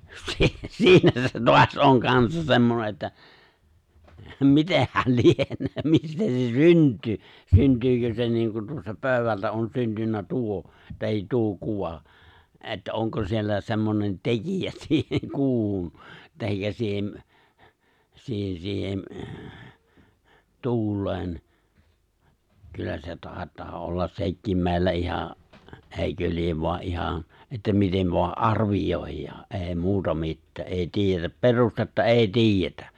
se siinä se taas on kanssa semmoinen että mitenhän lienee mistä se syntyy syntyykö se niin kuin tuosta pöydältä on syntynyt tuo tai tuo kuva että onko siellä semmoinen tekijä siihen kuuhun tai siihen siihen siihen tuuleen kyllä se taitaa olla sekin meillä ihan eikö lie vain ihan että miten vain arvioidaan ei muuta mitään ei tiedetä perustetta ei tiedetä